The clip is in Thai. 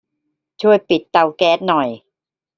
ช่วยปิดเตาแก๊สหน่อย